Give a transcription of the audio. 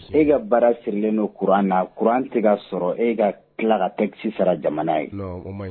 E ka baara sirilennen don kuran na kuran an se ka sɔrɔ e ka tila ka kɛ sisan jamana ye